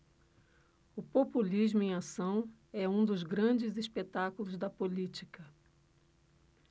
o populismo em ação é um dos grandes espetáculos da política